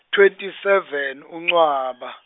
twenty seven uNcwaba.